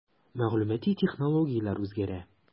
Мәгълүмати технологияләр үзгәрә.